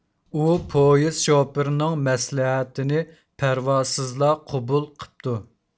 ئۇ پويىز شوپۇرىنىڭ مەسلىھەتىنى پەرۋاسىزلا قوبۇل قىپتۇ